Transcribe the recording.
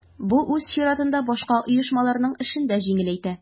Бу үз чиратында башка оешмаларның эшен дә җиңеләйтә.